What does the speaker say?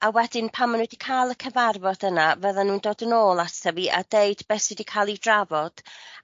a wedyn pan ma' nw 'di ca'l y cyfarfod yna fyddan nw'n dod yn ôl ata fi a deud be' sy 'di ca'l 'i drafod